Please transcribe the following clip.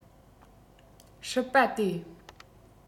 སྲིད པ སྟེ